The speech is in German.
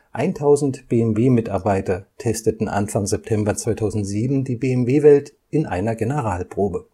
1.000 BMW-Mitarbeiter testeten Anfang September 2007 die BMW Welt in einer Generalprobe